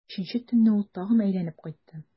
Өченче төнне ул тагын әйләнеп кайтты.